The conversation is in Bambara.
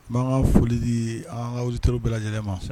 N b'an ka foli di an ka auditeurs bɛɛ lajɛlen ma.